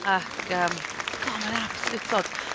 Ac yym god, mae'n absolute sod.